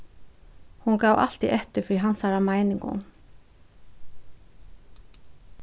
hon gav altíð eftir fyri hansara meiningum